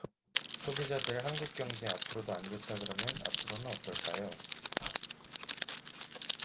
소비자들 한국 경제 앞으로도 안 좋다그러면 앞으로는 어떨까요